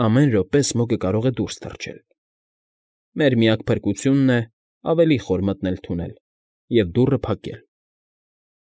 Ամեն րոպե Սմոգը կարող է դուրս թռչել։ Մեր միակ փրկությունն է՝ ավելի խոր մտնել թունել և դուռը փակել։